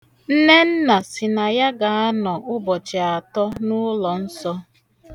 Nnenna sị na ya ga-anọ ụbọchị atọ n'ụlọ nsọ.